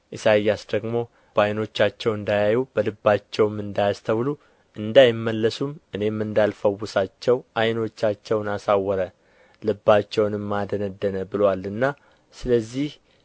ኢሳይያስ ደግሞ በዓይኖቻቸው እንዳያዩ በልባቸውም እንዳያስተውሉ እንዳይመለሱም እኔም እንዳልፈውሳቸው ዓይኖቻቸውን አሳወረ ልባቸውንም አደነደነ ብሎአልና ስለዚህ